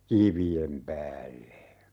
kivien päälle